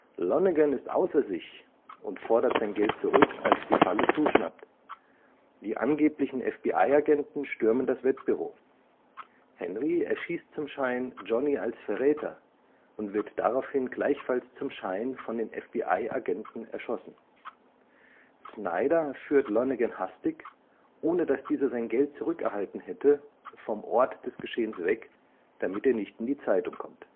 Lonnegan ist außer sich und fordert sein Geld zurück, als die Falle zuschnappt. Die angeblichen FBI-Agenten stürmen das Wettbüro. Henry erschießt zum Schein Johnny als Verräter und wird daraufhin gleichfalls zum Schein von den „ FBI-Agenten “erschossen. Snyder führt Lonnegan hastig, ohne dass dieser sein Geld zurückerhalten hätte, vom Ort des Geschehens weg, damit er nicht in die Zeitung kommt